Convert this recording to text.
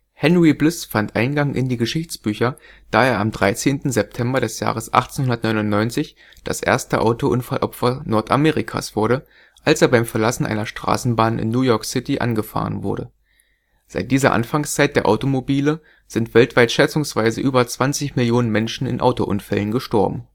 Henry Bliss fand Eingang in die Geschichtsbücher, da er am 13. September des Jahres 1899 das erste Autounfallopfer Nordamerikas wurde, als er beim Verlassen einer Straßenbahn in New York City angefahren wurde. Seit dieser Anfangszeit der Automobile sind weltweit schätzungsweise über 20 Millionen Menschen in Autounfällen gestorben